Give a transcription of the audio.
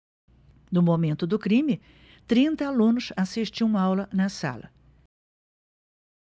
no momento do crime trinta alunos assistiam aula na sala